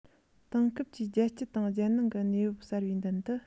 དེང སྐབས ཀྱི རྒྱལ སྤྱི དང རྒྱལ ནང གི གནས བབ གསར པའི མདུན དུ